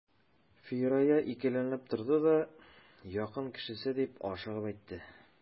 Фирая икеләнеп торды да: — Якын кешесе,— дип ашыгып әйтте.